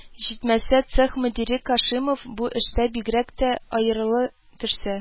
Җитмәсә, цех мөдире Кашимов бу эштә бигрәк тә аерыла төшсә